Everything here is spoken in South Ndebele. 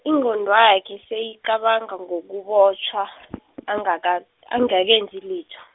ingqondwakhe seyicabanga ngokubotjhwa , angaka- angakenzi litho.